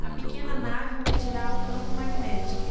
a pequena nave medirá o campo magnético